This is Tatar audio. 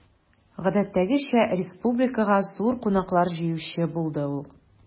Гадәттәгечә, республикага зур кунаклар җыючы булды ул.